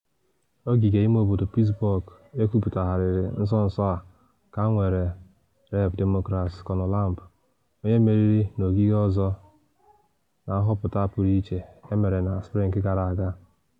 Ogige ime obodo Pittsburg ekwepụtagharịrị nso nso a ka nwere Rep. Demokrats Conor Lamb - onye meriri n’ogige ọzọ na nhọpụta pụrụ iche e mere na spring gara aga.